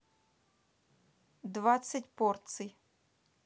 двадцать порций